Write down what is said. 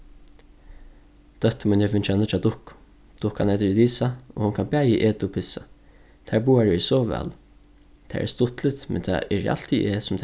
dóttir mín hevur fingið eina nýggja dukku dukkan eitur elisa og hon kann bæði eta og pissa tær báðar eru so væl tað er stuttligt men tað eri altíð eg sum